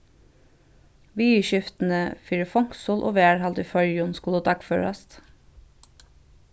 viðurskiftini fyri fongsul og varðhald í føroyum skulu dagførast